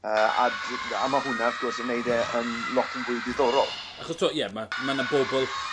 yy a dy- a ma' hwnna w'th gwrs yn neud e yn lot yn fwy ddiddorol. Achos t'wo ie ma' ma' 'na bobol